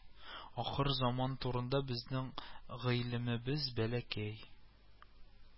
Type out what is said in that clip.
Ахыр заман турында безнең гыйлемебез бәләкәй